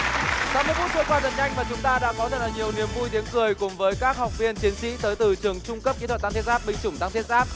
ba mươi phút trôi qua thật nhanh và chúng ta đã có nhiều niềm vui tiếng cười cùng với các học viên chiến sĩ tới từ trường trung cấp kỹ thuật tăng thiết giáp binh chủng tăng thiết giáp